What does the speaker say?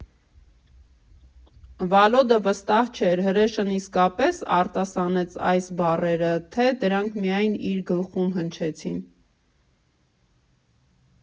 Վալոդը վստահ չէր՝ հրեշն իսկապե՞ս արտասանեց այս բառերը, թե՞ դրանք միայն իր գլխում հնչեցին։